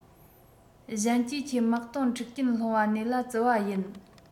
གཞན གྱིས ཁྱེད དམག དོན འཁྲུག རྐྱེན སློང བ གནས ལ བརྩི བ ཡིན